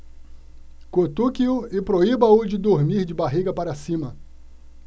cutuque-o e proíba-o de dormir de barriga para cima